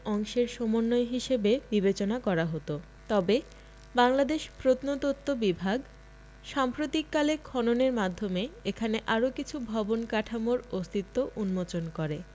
অংশের সমন্বয় হিসেবে বিবেচনা করা হতো তবে বাংলাদেশ প্রত্নতত্ত্ব বিভাগ সাম্প্রতিককালে খননের মাধ্যমে এখানে আরও কিছু ভবন কাঠামোর অস্তিত্ব উন্মোচন করে